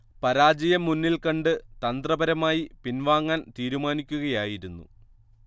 പരാജയം മുന്നിൽ കണ്ട തന്ത്രപരമായി പിൻവാങ്ങാൻ തീരുമാനിക്കുകയായിരുന്നു